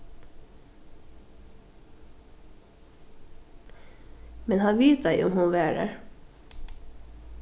men hann vitaði um hon var har